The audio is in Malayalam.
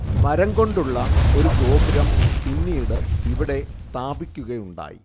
മരം കൊണ്ടുള്ള ഒരു ഗോപുരം പിന്നീട് ഇവിടെ സ്ഥാപിക്കുകയുണ്ടായി